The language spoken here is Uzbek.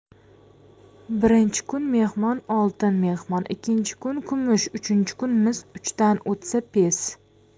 birinchi kun mehmon oltin mehmon ikkinchi kun kumush uchinchi kun mis uchdan o'tsa pes